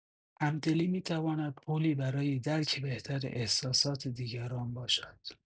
همدلی می‌تواند پلی برای درک بهتر احساسات دیگران باشد.